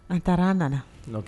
An taara an nana